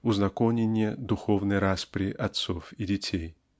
узаконение духовной распри отцов и детей.